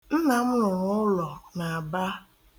Nna m rụrụ ụlọ n'Aba.